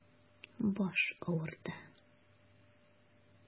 Баш авырта.